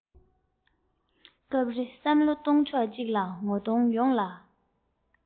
སྐབས རེ བསམ བློ གཏོང ཕྱོགས གཅིག ལ ངོ གདོང ཡོངས ལ